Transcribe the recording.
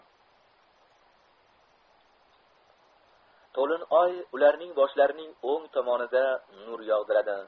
to'lin oy ularning boshlarining o'ng tomonida nur yog'diradi